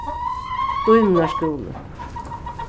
dímunar skúli